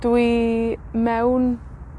Dwi mewn